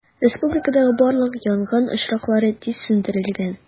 Республикадагы барлык янгын очраклары тиз сүндерелгән.